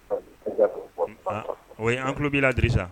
Wa an tulo'i ladisa